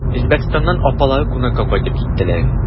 Үзбәкстаннан апалары кунакка кайтып киттеләр.